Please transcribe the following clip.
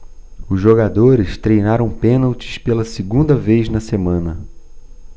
os jogadores treinaram pênaltis pela segunda vez na semana